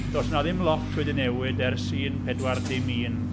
Does yna ddim lot wedi newid ers un pedwar dim un,